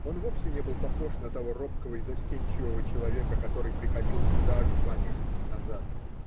Он вовсе не был похож на того робкого и застенчивого человека, который приходил сюда же два месяца назад.